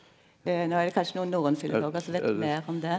nå er det kanskje nokon norrønfilologar som veit meir om det.